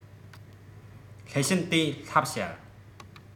སླད ཕྱིན དེ བསླབ བྱར